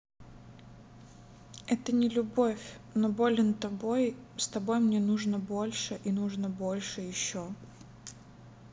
это не любовь но болен тобой с тобой мне нужно больше и нужно больше еще